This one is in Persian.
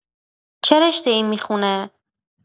چه رشته‌ای می‌خونه؟